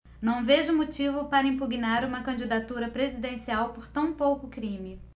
não vejo motivo para impugnar uma candidatura presidencial por tão pouco crime